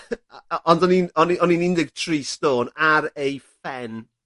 a o- ond o'n i'n o'n i o'n i'n un deg tri stôn ar ei phen.